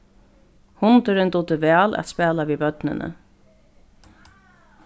hundurin dugdi væl at spæla við børnini